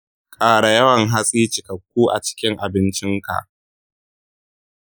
ƙara yawan hatsi cikakku a cikin abincinka.